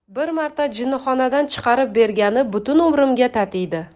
bir marta jinnixonadan chiqarib bergani butun umrimga tatiydi